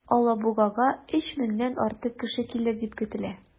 Алабугага 3 меңнән артык кеше килер дип көтелә.